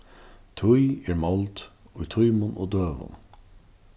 tíð er máld í tímum og døgum